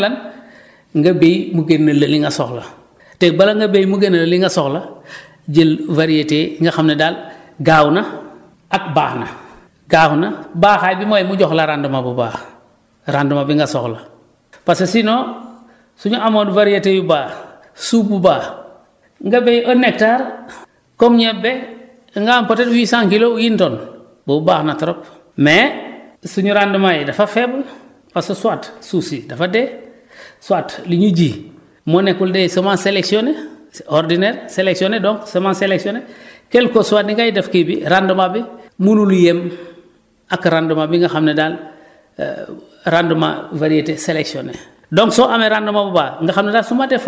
donc foog nga nga suur suur bi mooy lan nga béy mu génneel la li nga soxla te bala nga béy mu génneel la li nga soxla jël variété yi nga xam ne daal gaaw na ak baax na gaaw na baaxaay bi mooy mu jox la rendement bu baax rendement bi nga soxla parce que sinon suñu amoon variété yu baax su boobaa nga béy 1 hectare comme ñebe nga am côté 800 kilos boobu baax na trop mais suñu rendement yi dafa faible parce que soit suuf si dafa dee soit li ñu ji moo nekkul des semences selectionnées c' est ordinaire selectionnée donc semence selectionnée quelque soit ni ngay def kii bi rendement bi mënul yem ak rendement bi nga xam ne daal rendement variété selectionnée